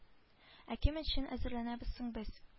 Ә кем өчен әзерләнәбез соң без